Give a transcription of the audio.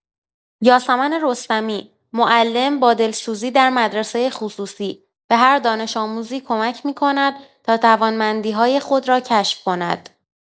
یاسمن رستمی، معلم با دلسوزی در مدرسۀ خصوصی، به هر دانش‌آموزی کمک می‌کند تا توانمندی‌های خود را کشف کند.